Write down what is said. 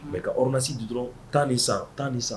Mais ka ordonnance di dɔrɔn taa ni san taa ni san